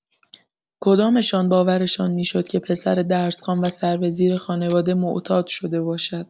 کدامشان باورشان می‌شد که پسر درس‌خوان و سر به زیر خانواده معتاد شده باشد؟